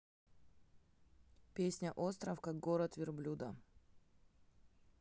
песня остров как город верблюда